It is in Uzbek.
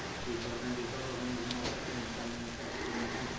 bekordan bekor odam o'zini osarkanmi kallangni ishlatib ko'rmadingmi